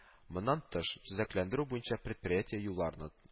Моннан тыш, төзекләндерү буенча предприятие юлларны